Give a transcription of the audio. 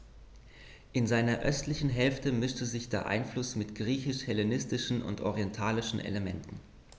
In seiner östlichen Hälfte mischte sich dieser Einfluss mit griechisch-hellenistischen und orientalischen Elementen.